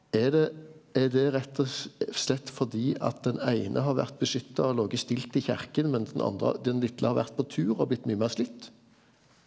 er det er det rett og slett fordi at den eine har vore beskytta og lege stilt i kyrkja mens den andre den litle har vore på tur og blitt mykje meir slitt?